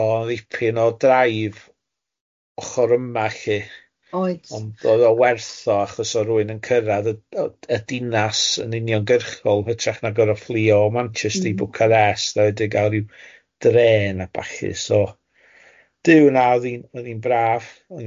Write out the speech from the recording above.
Odd o'n ddipyn o drive, ochr yma lly... Oedd. ...ond odd o werth o achos odd rhywun n cyrradd y y dinas yn uniongyrchol hytrach na goro fflio o Manchester i Bucharest a wedyn gal cal rhyw dren a ballu so . Duw, na odd hi'n braf.